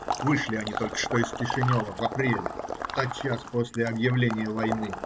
Вышли они только что из Кишинева, в апреле, тотчас после объявления войны.